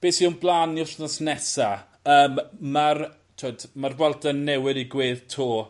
beth sy o'n bla'n ni wthnos nesa yym ma'r t'wod ma'r Vuelta yn newid 'i gwedd 'to.